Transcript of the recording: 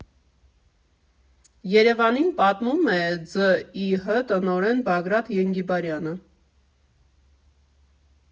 ԵՐԵՎԱՆ֊ին պատմում է ՁԻՀ տնօրեն Բագրատ Ենգիբարյանը։